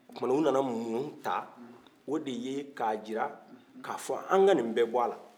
o kumana u na na mun ta o de ye ka jira ka fɔ an ka ni bɛ bɔ a la